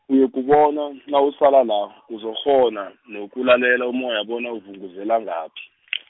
uyokubona nawusala la , uzokukghona nokulalela umoya bona uvunguzela ngaphi .